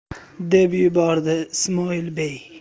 deb yubordi ismoilbey